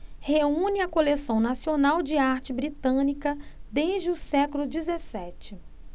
reúne a coleção nacional de arte britânica desde o século dezessete